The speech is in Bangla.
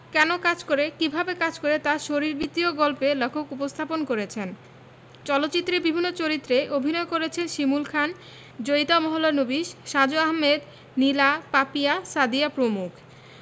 কেন কাজ করে কিভাবে কাজ করে তা শরীরবৃত্তীয় গল্পে লেখক উপস্থাপন করেছেন চলচ্চিত্রের বিভিন্ন চরিত্রে অভিনয় করেছেন শিমুল খান জয়িতা মহলানোবিশ সাজু আহমেদ নীলা পাপিয়া সাদিয়া প্রমুখ